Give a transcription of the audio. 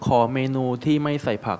ขอเมนูที่ไม่ใส่ผัก